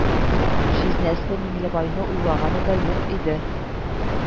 Җизнәсе Миңлебайны уйлаганы да юк иде